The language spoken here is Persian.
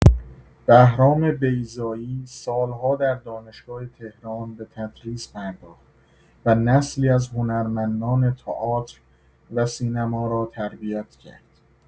بهرام بیضایی سال‌ها در دانشگاه تهران به تدریس پرداخت و نسلی از هنرمندان تئاتر و سینما را تربیت کرد.